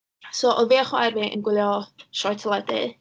So oedd fi a chwaer fi yn gwylio sioe teledu.